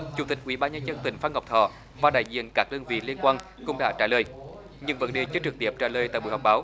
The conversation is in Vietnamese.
chủ tịch ủy ban nhân dân tỉnh phan ngọc thọ và đại diện các đơn vị liên quan cũng đã trả lời những vấn đề chưa trực tiếp trả lời tại buổi họp báo